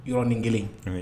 Y yɔrɔin kelen